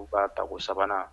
U ka tago 3 nan